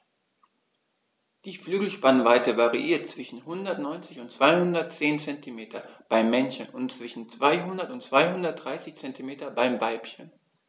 Die Flügelspannweite variiert zwischen 190 und 210 cm beim Männchen und zwischen 200 und 230 cm beim Weibchen.